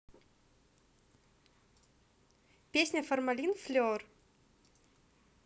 песня формалин flëur